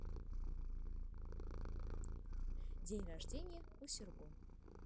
день рождения у серго